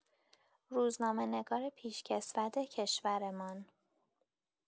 روزنامه‌نگار پیشکسوت کشورمان